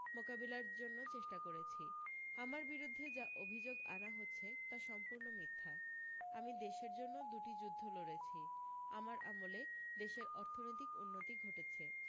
মোকাবিলার জন্য চেষ্টা করেছি আমার বিরুদ্ধে যা অভি্যোগ আনা হচ্ছে তা সম্পূর্ণ মিথ্যা আমি দেশের জন্য দু টি যুদ্ধ লড়েছি আমার আমলে দেশের অর্থ নৈতিক উন্নতি ঘটেছে